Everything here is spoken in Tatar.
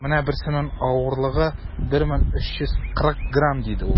- менә берсенең авырлыгы 1340 грамм, - диде ул.